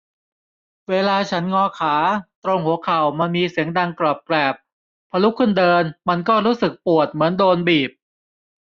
เวลาฉันงอขาตรงหัวเข่ามันมีเสียงดังกรอบแกรบพอลุกขึ้นเดินมันก็รู้สึกปวดเหมือนโดนบีบ